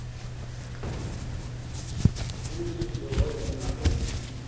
гуси сувать не надо